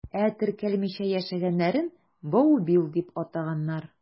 Ә теркәлмичә яшәгәннәрен «баубил» дип атаганнар.